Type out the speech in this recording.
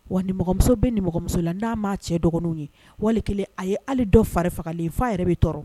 Wa nimɔgɔmuso bɛ nimɔgɔmuso la n'a' cɛ dɔgɔninw ye wali kelen a ye' dɔ fari fagalen f'a yɛrɛ bɛ tɔɔrɔ